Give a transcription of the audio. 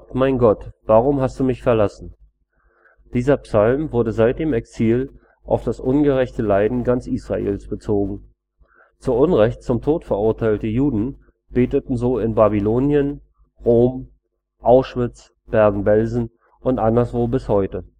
mein Gott, warum hast du mich verlassen? “Dieser Psalm wurde seit dem Exil auf das ungerechte Leiden ganz Israels bezogen. Zu Unrecht zum Tod verurteilte Juden beteten so in Babylonien, Rom, Auschwitz, Bergen-Belsen und anderswo bis heute